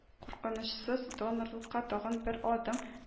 – куркынычсыз донорлыкка тагын бер адым”, -